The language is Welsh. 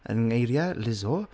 Yng ngeiriau, Lizzo.